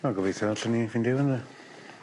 Wel gobeithio allwn ni ffindio fy'n ry- ...